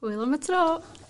Hwyl am y tro!